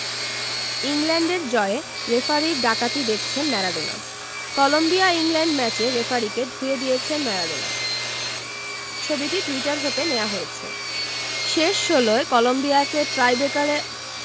ইংল্যান্ডের জয়ে রেফারির ডাকাতি দেখছেন ম্যারাডোনা কলম্বিয়া ইংল্যান্ড ম্যাচের রেফারিকে ধুয়ে দিয়েছেন ম্যারাডোনা ছবিটি টুইটার হতে নেয়া হয়েছে শেষ ষোলোয় কলম্বিয়াকে টাইব্রেকারে